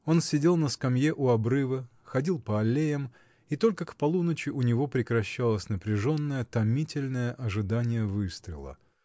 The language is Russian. Он сидел на скамье у обрыва, ходил по аллеям, и только к полуночи у него прекращалось напряженное, томительное ожидание выстрела.